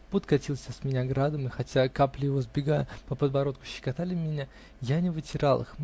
пот катился с меня градом, и хотя капли его, сбегая по подбородку, щекотали меня, я не вытирал их.